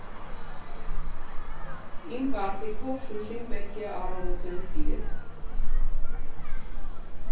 Իմ կարծիքով, Շուշին պետք է առավոտյան սիրել։